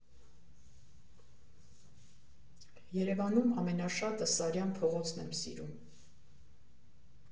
Երևանում ամենաշատը Սարյան փողոցն եմ սիրում։